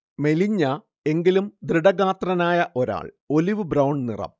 മെലിഞ്ഞ, എങ്കിലും ദൃഢഗാത്രനായ ഒരാൾ, ഒലിവ്-ബ്രൗൺ നിറം